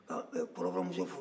u ye kɔrɔbɔrɔmuso furu